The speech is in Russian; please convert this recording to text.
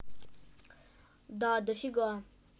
да дофига